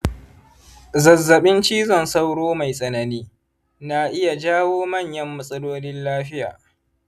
zazzaɓin cizon sauro mai tsanani na iya jawo manyan matsalolin lafiya.